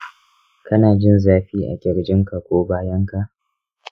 kana jin zafi a kirjinka ko bayanka?